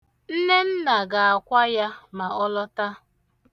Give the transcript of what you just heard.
Nnenna ga-akwa ya ma ọ lọta.